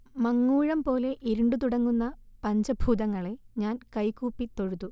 'മങ്ങൂഴംപോലെ ഇരുണ്ടുതുടങ്ങുന്ന പഞ്ചഭൂതങ്ങളെ ഞാൻ കൈകൂപ്പി തൊഴുതു'